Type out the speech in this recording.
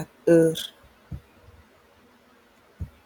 ak urr